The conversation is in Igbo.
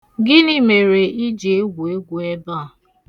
Gịnị mere i ji egwu egwu ebe a?